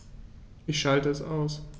Ich schalte es aus.